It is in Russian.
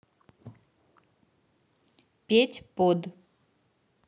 петь под